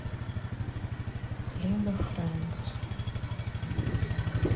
лего френдс